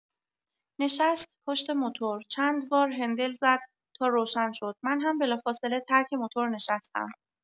نشست پشت موتور، چند بار هندل زد تا روشن شد من هم بلافاصه ترک موتور نشستم.